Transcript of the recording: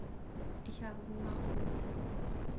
Ich habe Hunger auf Nudeln.